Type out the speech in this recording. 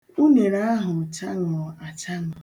Unere ahụ chaṅụrụ achaṅụ.